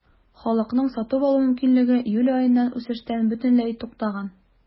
Халыкның сатып алу мөмкинлеге июль аеннан үсештән бөтенләй туктаган.